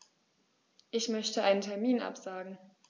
Ich möchte einen Termin absagen.